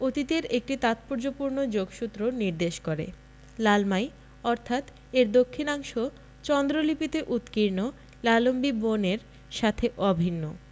অতীতের এক তাৎপর্যপূর্ণ যোগসূত্র নির্দেশ করে লালমাই অর্থাৎ এর দক্ষিণাংশ চন্দ্র লিপিতে উৎকীর্ণ লালম্বী বন এর সাথে অভিন্ন